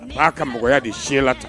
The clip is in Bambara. A b'a ka mɔgɔya de silat